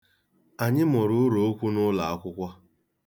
Anyị mụrụ ụrookwu n'ụlaakwụkwọ.